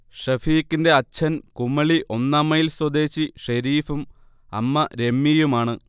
ഷഫീക്കിന്റെ അച്ഛൻ കുമളി ഒന്നാംമൈൽ സ്വദേശി ഷെരീഫും അമ്മ രമ്യയുമാണ്